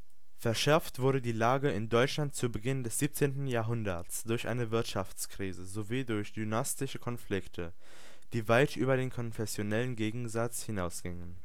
Verschärft wurde die Lage in Deutschland zu Beginn des 17. Jahrhunderts durch eine Wirtschaftskrise sowie durch dynastische Konflikte, die weit über den konfessionellen Gegensatz hinausgingen